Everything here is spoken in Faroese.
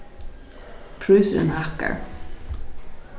prísurin hækkar